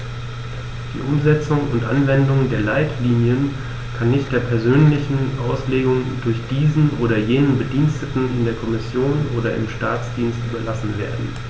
Die Umsetzung und Anwendung der Leitlinien kann nicht der persönlichen Auslegung durch diesen oder jenen Bediensteten in der Kommission oder im Staatsdienst überlassen werden.